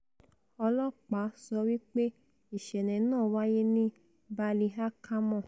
Olọ́ọ̀pá sowí pé ìṣẹ̀lẹ̀ náà wáyé ni Ballyhackamore.